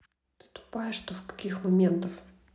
ты тупая что в каких моментов